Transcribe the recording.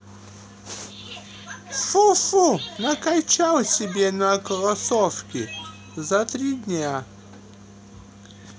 фу фу накачал себе на кроссовки за три дня